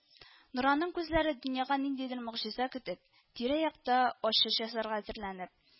Нораның күзләре дөньяга ниндидер могҗиза көтеп, тирә-якта ачыш асарга әзерләнеп